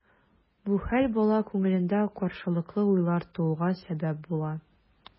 Бу хәл бала күңелендә каршылыклы уйлар тууга сәбәп була.